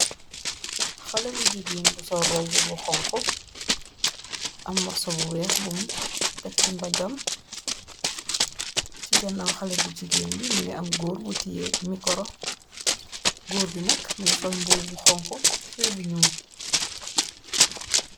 Xale bu jigeen bu sol robu bu xonxu, am morso bu weex bum tek ci bagam, ci ganaw xale bu jigeen bi, mingi am goor bu teye mikoro, goor bi nak mingi sol mbuba bu xonxu, tubay bu nyuul